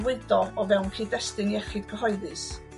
fwydo o fewn cyd-destun iechyd cyhoeddus